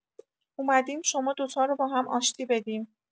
اومدیم شما دو تا رو با هم آشتی بدیم.